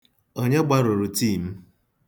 Onye gbarụrụ tii m?